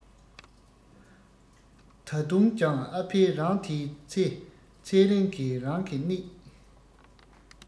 ད དུང ཀྱང ཨ ཕས རང དེའི ཚེ ཚེ རིང གི རང གི གནད